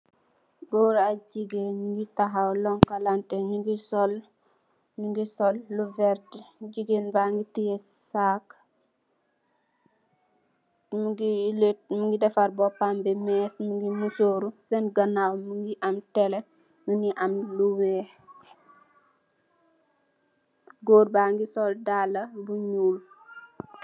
Goor ak jegain nuge tahaw lunkulanteh nuge sol lu werte jegain bage teyeh sacc muge defarr bopambe mess muge musoru sen ganaw muge am tele muge am lu weex goor bage sol dalla bu nuul.